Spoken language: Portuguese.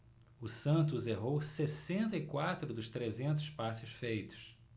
o santos errou sessenta e quatro dos trezentos passes feitos